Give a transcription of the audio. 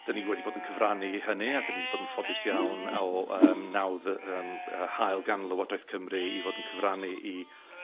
'dan ni wedi bod yn cyfrannu i hynny, a 'dan ni wedi bod yn ffodus iawn o yym nawdd yy yym yy hael gan Lywodraeth Cymru i fod yn cyfrannu i